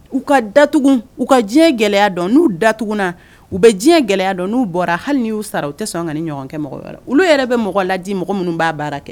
U ka dat u ka diɲɛ gɛlɛya dɔn n'u datugu na u bɛ diɲɛ gɛlɛya dɔn n'u bɔra hali n y uu sara u tɛ sɔn ka ɲɔgɔnkɛ mɔgɔ wɛrɛ olu yɛrɛ bɛ mɔgɔ laji mɔgɔ minnu b'a baara kɛ